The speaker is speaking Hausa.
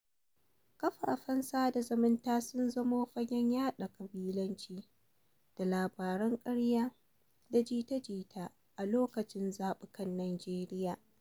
Kafafen sada zumunta sun zamo fagen yaɗa ƙabilanci da labaran ƙarya da jita-jita a lokacin zaɓukan Nijeriya.